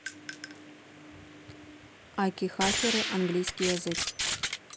аки хакеры английский язык